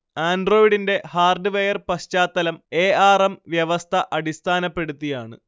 ആൻഡ്രോയ്ഡിന്റെ hardware പശ്ചാത്തലം A R M വ്യവസ്ഥ അടിസ്ഥാനപ്പെടുത്തിയാണ്